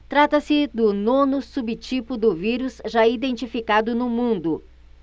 trata-se do nono subtipo do vírus já identificado no mundo